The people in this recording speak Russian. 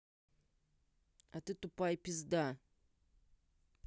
а ты тупая пизда